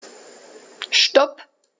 Stop.